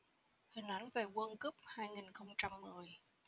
hình ảnh về world cup hai nghìn không trăm mười